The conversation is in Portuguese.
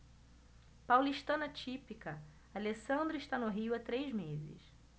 paulistana típica alessandra está no rio há três meses